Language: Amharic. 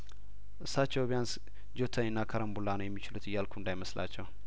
እሳቸው ቢያንስ ጆተኒና ከረምቡላ ነው የሚችሉት እያልኩ እንዳይመስላችሁ